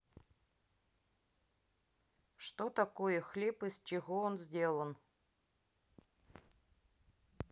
что такое хлеб из чего он сделан